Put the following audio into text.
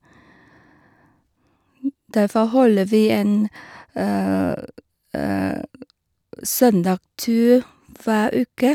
Derfor holder vi en søndagstur hver uke.